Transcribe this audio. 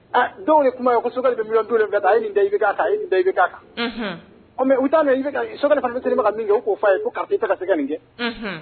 A dɔw ye kuma la ko Choguel bɛ miliyɔn 70 ta. Aye nin da IBK kan, aye nin da IBK kan. Unhun! O mais o t'a mɛn IBK Choguel fana dɛsɛlen bɛ ka min kɛ, o k'o fɔ a ye pour que ka se ka nin kɛ. Unhun!